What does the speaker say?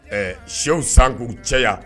Ɛɛ sew san k'u cɛya